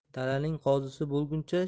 dalaning qozisi bo'lguncha